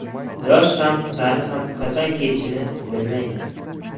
yosh ham qari ham qachon ketishini bilmaydi